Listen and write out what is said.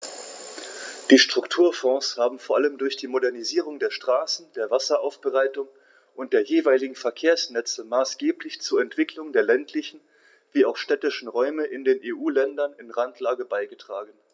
Die Strukturfonds haben vor allem durch die Modernisierung der Straßen, der Wasseraufbereitung und der jeweiligen Verkehrsnetze maßgeblich zur Entwicklung der ländlichen wie auch städtischen Räume in den EU-Ländern in Randlage beigetragen.